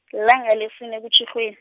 lilanga lesine kuTjhirhweni.